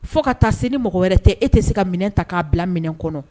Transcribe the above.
Fo ka taa sini ni mɔgɔ wɛrɛ tɛ e tɛ se ka minɛ ta k'a bila minɛ kɔnɔ